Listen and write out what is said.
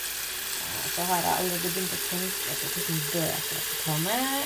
Og så har jeg allerede begynt å tenkte på kossen bøker jeg skal ta med.